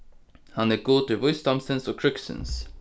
hann er gudur vísdómsins og krígsins